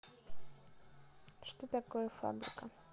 что такое фабрика